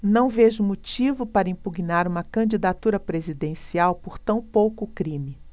não vejo motivo para impugnar uma candidatura presidencial por tão pouco crime